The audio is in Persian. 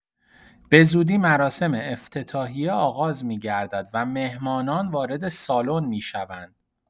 بزودی مراسم افتتاحیه آغاز می‌گردد و مهمانان وارد سالن می‌شوند.